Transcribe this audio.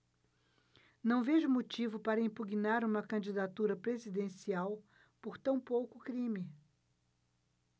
não vejo motivo para impugnar uma candidatura presidencial por tão pouco crime